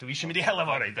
Dwi isio mynd i hela fory de.